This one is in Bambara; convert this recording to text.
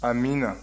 amiina